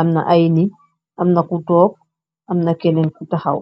Amna ay nit, amna ku toog, Amna kenen ki tahaw.